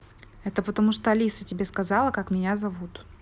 это потому что алиса тебе сказала как меня зовут